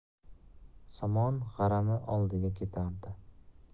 somon g'arami oldiga ketardi